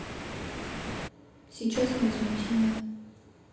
сейчас невозмутимое